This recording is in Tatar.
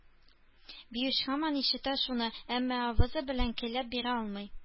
Биюш һаман ишетә шуны, әмма авызы белән көйләп бирә алмый.